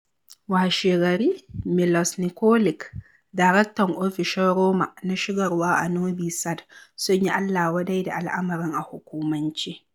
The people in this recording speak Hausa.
Washegari, Milos Nikolic, daraktan ofishin Roma na shigarwa a Noɓi Sad, sun yi allawadai da lamarin a hukumance.